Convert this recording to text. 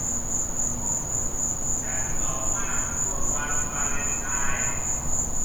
ฉันเหงามากช่วงวันวาเลนไทน์